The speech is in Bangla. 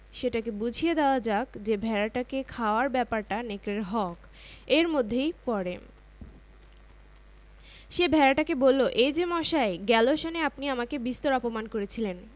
ঘাস খেতে কেমন তাই আমি জানি না এখনো নেকড়ে ছাড়ে না তুই আমার কুয়ো থেকে জল খাস না না আর্তনাদ করে ওঠে ভেড়াটা আমি এখনো এক ফোঁটা জল ও মুখে দিইনি আমি ত এখনো শুধু মার দুধ খাই হুম